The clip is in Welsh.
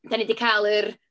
Dan ni 'di cael yr...